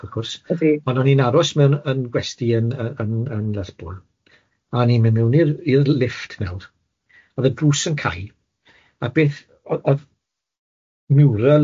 ond o'n i'n aros mewn yn gwesty yn yy yn yn yn Lerwpl a o'n i'n mynd mewn i'r i'r lift nawr, o'dd y drws yn cau a beth o'dd o'dd mural